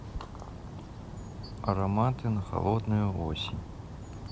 ароматы на холодную осень